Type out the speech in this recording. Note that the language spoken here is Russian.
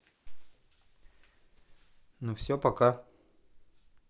ну все пока